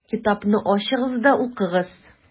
Китапны ачыгыз да укыгыз: